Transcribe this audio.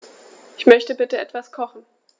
Ich möchte bitte etwas kochen.